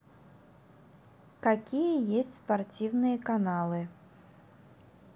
какие есть спортивные каналы